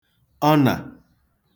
ọnà